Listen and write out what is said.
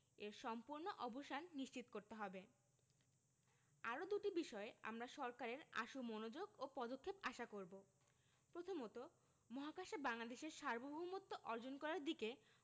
এর সম্পূর্ণ অবসান নিশ্চিত করতে হবে আরও দুটি বিষয়ে আমরা সরকারের আশু মনোযোগ ও পদক্ষেপ আশা করব প্রথমত মহাকাশে বাংলাদেশের সার্বভৌমত্ব অর্জন করার দিকে